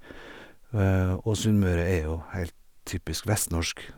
Og Sunnmøre er jo heilt typisk vestnorsk.